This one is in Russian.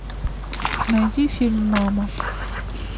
найди фильм мама